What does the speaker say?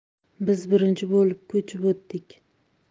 biz birinchi bo'lib ko'chib o'tdik